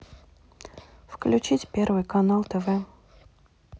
включить первый канал тв